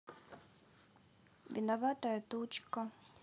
виноватая тучка